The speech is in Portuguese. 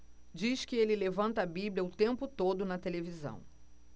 diz que ele levanta a bíblia o tempo todo na televisão